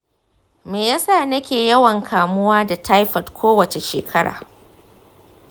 me yasa nake yawan kamuwa da taifoid kowace shekara?